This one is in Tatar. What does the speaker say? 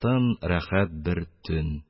Тын, рәхәт бер төн;